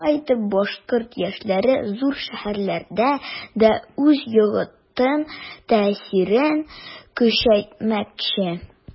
Шулай итеп башкорт яшьләре зур шәһәрләрдә дә үз йогынты-тәэсирен көчәйтмәкче.